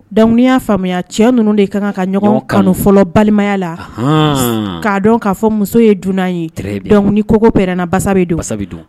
Dɔnku y'a faamuya cɛ ninnu de kan ka ɲɔgɔn kanufɔlɔ balimaya la h k'a dɔn k'a fɔ muso ye dunan ye kogopɛna basabe donsa